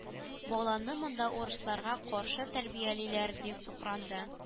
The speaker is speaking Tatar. Баланы монда урысларга каршы тәрбиялиләр дип сукранды